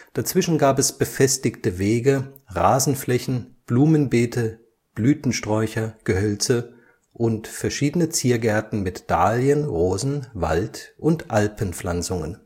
Dazwischen gab es befestigte Wege, Rasenflächen, Blumenbeete, Blütensträucher, Gehölze und verschiedene Ziergärten mit Dahlien -, Rosen -, Wald - und Alpenpflanzungen